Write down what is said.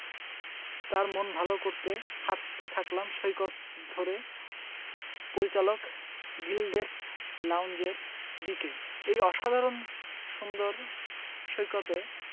তার মন ভালো করতে হাঁটতে থাকলাম সৈকত ধরে পরিচালক গিল্ডের লাউঞ্জের দিকে এই অসাধারণ সুন্দর সৈকতে